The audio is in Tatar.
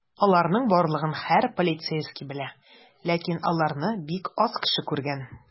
Аларның барлыгын һәр полицейский белә, ләкин аларны бик аз кешеләр күргән.